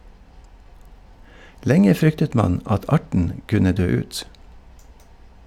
Lenge fryktet man at arten kunne dø ut.